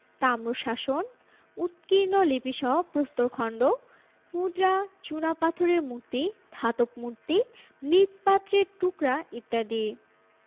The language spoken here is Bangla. তাম্রশাসন উৎকীর্ণ লিপিসহ প্রস্তরখন্ড মুদ্রা চূনাপাথরের মূর্তি ধাতব মূর্তি মৃৎপাত্রের টুকরা ইত্যাদি